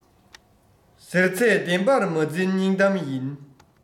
ཟེར ཚད བདེན པར མ འཛིན སྙིང གཏམ ཡིན